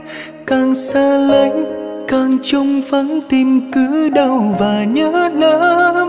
càng xa lánh càng trống vắng tim cứ đau và nhớ lắm